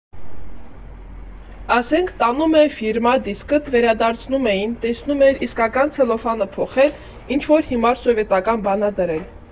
Ասենք, տանում էին ֆիրմա դիսկդ, վերադարձնում էին, տեսնում էիր՝ իսկական ցելոֆանը փոխել, ինչ֊որ հիմար սովետական բան ա դրել։